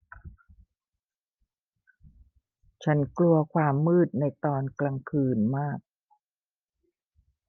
ฉันกลัวความมืดในตอนกลางคืนมาก